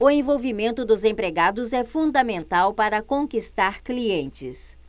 o envolvimento dos empregados é fundamental para conquistar clientes